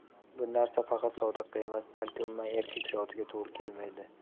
bu narsa faqat sodiqqa emas balki umuman erkak zotiga to'g'ri kelmaydi